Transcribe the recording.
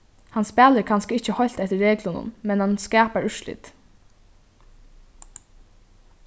hann spælir kanska ikki heilt eftir reglunum men hann skapar úrslit